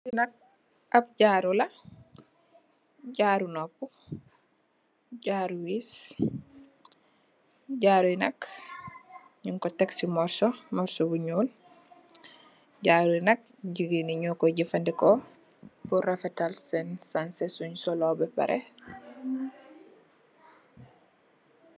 Li nak ap jaaru la jaaru noppa jaaru wess jaaru yi nak nyun ko tek si morso morso bu nuul jaaru yi nak jigeen yi nyo koi jefendeko pur refatal sen sancex sung dolo ba pareh.